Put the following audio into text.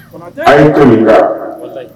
A ye kun minka